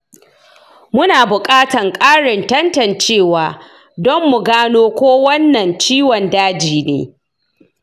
muna bukatan karin tantancewa don mu gano ko wannan ciwon daji ne.